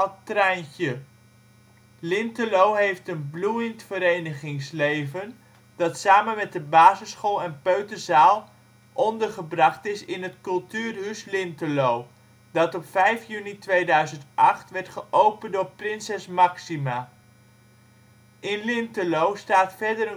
Treintje. Lintelo heeft een bloeiend verenigingsleven, dat samen met de basisschool en peuterzaal ondergebracht is in het Kulturhus Lintelo, dat op 5 juni 2008 werd geopend door prinses Máxima. In Lintelo staat verder